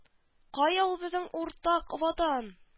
Кая ул безнең уртак ватан